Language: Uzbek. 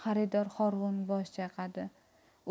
xaridor horg'in bosh chayqadi